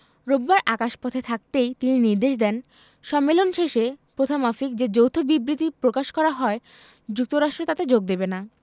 রোববার আকাশপথে থাকতেই তিনি নির্দেশ দেন সম্মেলন শেষে প্রথামাফিক যে যৌথ বিবৃতি প্রকাশ করা হয় যুক্তরাষ্ট্র তাতে যোগ দেবে না